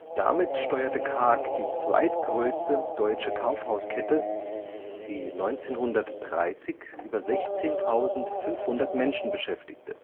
Damit steuerte Karg die zweitgrößte deutsche Kaufhauskette, die 1930 über 16.500 Menschen beschäftigte